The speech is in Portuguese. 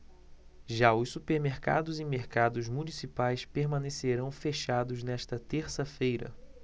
já os supermercados e mercados municipais permanecerão fechados nesta terça-feira